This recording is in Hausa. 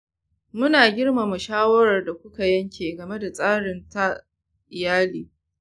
muna girmama shawarar da kuka yanke game da tsarin tsara iyali.